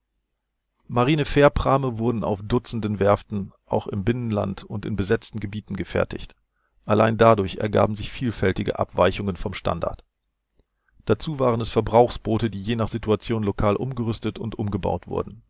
Marinefährprahme wurden auf dutzenden Werften auch im Binnenland und in besetzten Gebieten gefertigt. Allein dadurch ergaben sich vielfältige Abweichungen vom Standard. Dazu waren es Verbrauchsboote, die je nach Situation lokal umgerüstet und umgebaut wurden